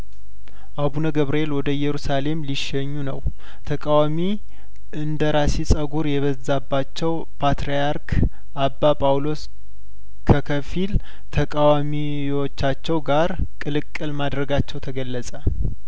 አቡነ ገብርኤል ወደ ኢየሩሳሌም ሊሸኙ ነው ተቃዋሚ እንደራሲ ጸጉር የበዛባቸው ፓትርያርክ አባ ጳውሎሰ ከከፊል ተቃዋሚዎቻቸው ጋር ቅልቅል ማድረጋቸው ተገለጸ